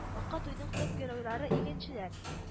Ка туйның төп геройлары – игенчеләр. "